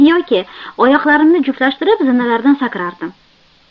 yoki oyoqlarimni juftlashtirib zinalardan sakrardim